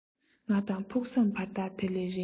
ང དང ཕུགས བསམ བར ཐག དེ ལས རིང